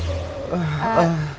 ừ ừ